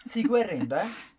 Ty Gwerin 'de? A ti 'fo...